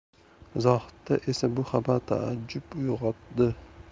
zohidda esa bu xabar taajjub uyg'otdi